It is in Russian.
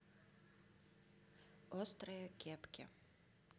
острые кепки